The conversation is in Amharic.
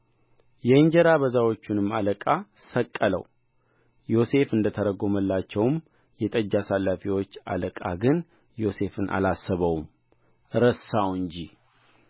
የእንጀራ አበዛዎቹንም አለቃ ሰቀለው ዮሴፍ እንደተረጎመላቸው የጠጅ አሳላፊዎች አለቃ ግን ዮሴፍን አላሰበውም ረሳው እንጂ